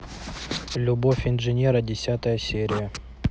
любовь инженера десятая серия